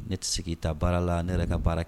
Ne tɛ sigi k'i ta baara la ne yɛrɛ ka baara kɛ